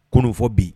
Kunun fɔ bi